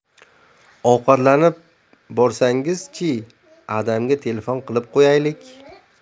ovqatlanib borsangiz chi adamga telefon qilib qo'yaylik